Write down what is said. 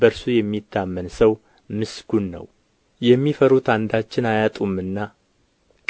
በእርሱ የሚታመን ሰው ምስጉን ነው የሚፈሩት አንዳችን አያጡምና